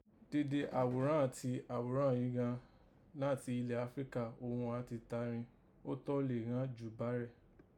Dede àghòrán àti àghòrán yìí gha nàti ilẹ̀ Áfíríkà òghun àán ti tà rìn, ó tọ́n lè ghàn jù bárẹ̀